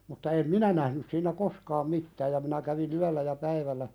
mutta en minä nähnyt siinä koskaan mitään ja minä kävin yöllä ja päivällä